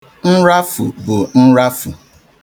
Nrafu bụ nrafu.